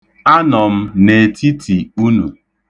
Anọ m n'etiti unu.